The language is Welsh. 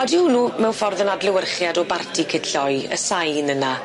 Odyw wnnw mewn ffordd yn adlewyrchiad o barti cit lloi, y sain yna?